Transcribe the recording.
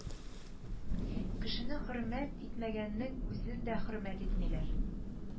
Кешене хөрмәт итмәгәннең үзен дә хөрмәт итмиләр